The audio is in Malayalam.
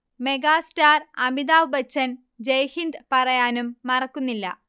മെഗാസ്റ്റാർ അമിതാഭ് ബച്ചൻ ജയ്ഹിന്ദ് പറയാനും മറക്കുന്നില്ല